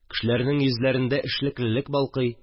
Кешеләрнең йөзләрендә эшлеклелек балкый